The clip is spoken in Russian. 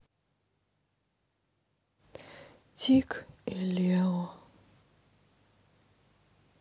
тик и лео